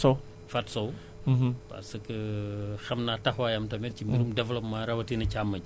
di beral aussi cant suñu jigéen sa jigéen donc Fatou